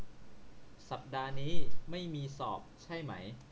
สัปดาห์นี้ไม่มีสอบใช่ไหม